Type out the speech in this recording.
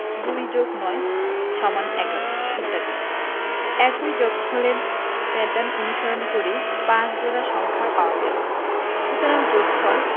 ২+৯=১১ ইত্যাদি একই যোগফলের প্যাটার্ন অনুসরণ করে ৫ জোড়া সংখ্যা পাওয়া গেল সুতরাং যোগফল